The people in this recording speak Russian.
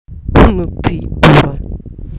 ну и ты дура